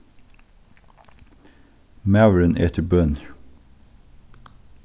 maðurin etur bønir